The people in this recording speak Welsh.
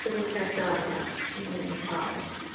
Gyda'r ceffyl arall yn yr un ffald.